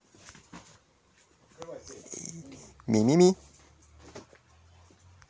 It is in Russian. мимими